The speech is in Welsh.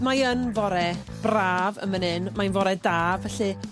mae yn fore braf yn man 'yn. Mae'n fore da, felly